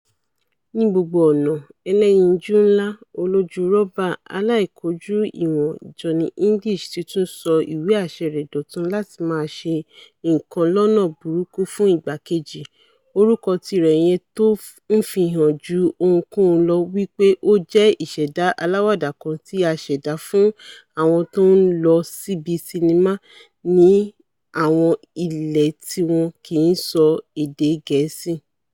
Ní gbogbo ọ̀nà, ẹlẹ́yinjú-ńlá, olójú-rọ́bà aláìkójú-ìwọ̀n Johnny English ti tún ṣọ ìwé-àṣẹ rẹ̀ dọ̀tun láti máaṣe nǹkan lọ́nà burúkú fún ìgbà kejì - orúkọ tirẹ̀ yẹn tó ńfihàn ju ohunkohun lọ wí pé ó jẹ́ ìṣẹ̀dá aláwàdà kan tí a ṣẹ̀dá fún àwọn tó ńlọ síbi sinnimá ní àwọn ilẹ̀ tíwọn kìí sọ èdè Gẹ̀ẹ́sì.